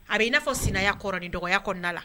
A bɛ i na fɔ sinaya kɔrɔ ni dɔgɔya kɔnɔna la.